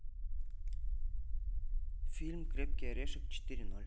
фильм крепкий орешек четыре ноль